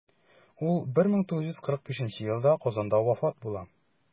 Ул 1945 елда Казанда вафат була.